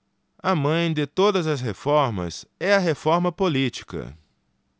a mãe de todas as reformas é a reforma política